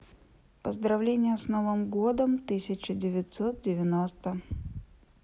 поздравление с новым годом тысяча девятьсот девяносто